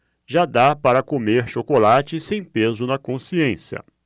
já dá para comer chocolate sem peso na consciência